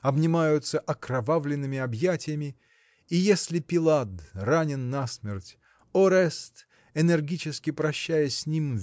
обнимаются окровавленными объятиями. И если Пилад ранен насмерть Орест энергически прощаясь с ним